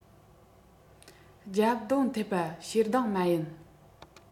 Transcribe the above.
འཇབ རྡུང ཐེབས པ ཞེ སྡང མ ཡིན